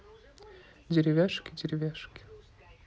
деревяшки деревяшки